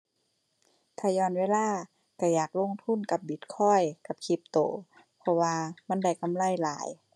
ถ้าย้อนเวลาก็อยากลงทุนกับบิตคอยน์กับคริปโต เพราะว่ามันได้กำไรหลาย